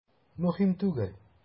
Мөһим түгел.